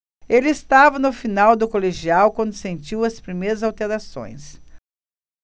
ele estava no final do colegial quando sentiu as primeiras alterações